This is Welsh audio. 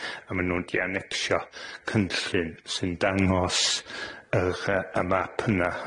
a ma' nw'n 'di anecsio cynllun sy'n dangos yr yy y map yna.